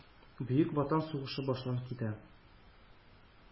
Бөек Ватан сугышы башланып китә.